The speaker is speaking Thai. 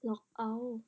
ล็อกเอาท์